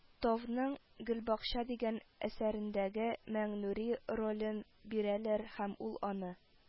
Товның «гөлбакча» дигән әсәрендәге миңнури ролен бирәләр, һәм ул аны